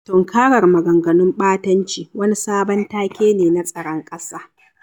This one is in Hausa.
Tunkarar maganganun ɓatanci wani sabon take ne na tsaron ƙasa